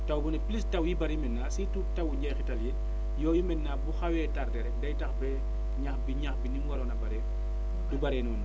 taw bu ne plus taw yi bëri maintenant surtout tawu njeexital yi yooyu maintenant bu xawee tardé rek day tax ba ñax bi ñax bi ni mu waroon a bëree du bëree noonu